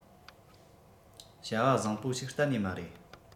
བྱ བ བཟང པོ ཞིག གཏན ནས མ རེད